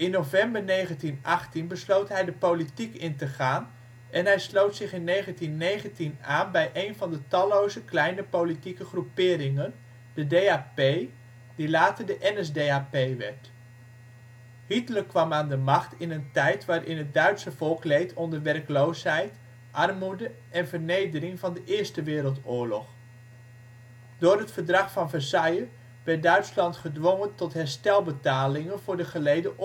november 1918 besloot hij de politiek in te gaan en hij sloot zich in 1919 aan bij één van de talloze kleine politieke groeperingen: de DAP, die later de NSDAP werd. Hitler kwam aan de macht in een tijd waarin het Duitse volk leed onder werkloosheid, armoede en vernedering van de Eerste Wereldoorlog. Door het Verdrag van Versailles werd Duitsland gedwongen tot herstelbetalingen voor de geleden